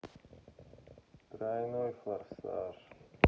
тройной форсаж